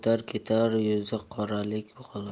ketar yuzi qoralik qolar